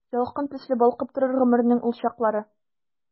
Ялкын төсле балкып торыр гомернең ул чаклары.